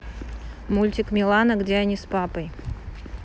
мультик милана где они с папой